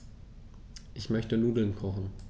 Ich möchte Nudeln kochen.